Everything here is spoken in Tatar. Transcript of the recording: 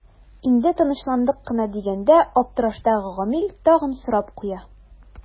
Инде тынычландык кына дигәндә аптыраштагы Гамил тагын сорап куя.